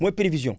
mooy prévision